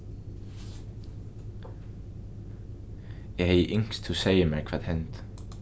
eg hevði ynskt tú segði mær hvat hendi